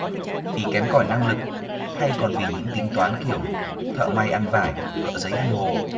vì kém cỏi năng lực hay còn vì những tính toán kiểu thợ may ăn vải thợ giấy ăn hồ